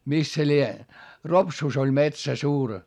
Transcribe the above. missä se lie Ropsussa oli metsä suuri